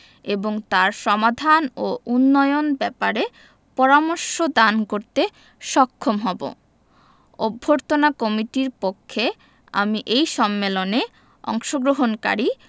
এবং তার সমাধান ও উন্নয়ন ব্যাপারে পরামর্শ দান করতে সক্ষম হবো অভ্যর্থনা কমিটির পক্ষে আমি এই সম্মেলনে অংশগ্রহণকারী